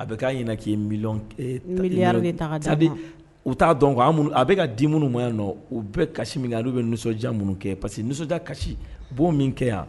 A bɛ'a ɲɛna k' midi u t'a dɔn a bɛ ka di minnu maya nɔ u bɛ kasi min nu bɛ nisɔndiya minnu kɛ parce que nisɔndiya kasi bo min kɛ yan